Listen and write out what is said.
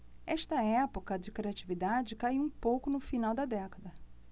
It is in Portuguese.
esta época de criatividade caiu um pouco no final da década